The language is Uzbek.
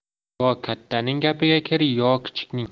yo kattaning gapiga kir yo kichikning